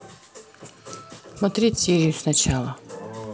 смотреть серию сначала